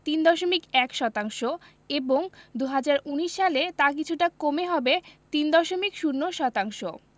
৩.১ শতাংশ এবং ২০১৯ সালে তা কিছুটা কমে হবে ৩.০ শতাংশ